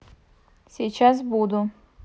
сейчас буду